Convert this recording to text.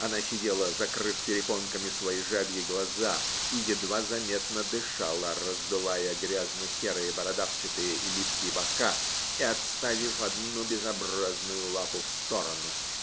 Она сидела, закрыв перепонками свои жабьи глаза, и едва заметно дышала, раздувая грязно-серые бородавчатые и липкие бока и отставив одну безобразную лапу в сторону